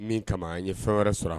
Min kama a ye fɛn wɛrɛ sɔrɔ